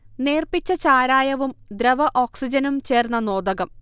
നേർപ്പിച്ച ചാരായവും ദ്രവ ഓക്സിജനും ചേർന്ന നോദകം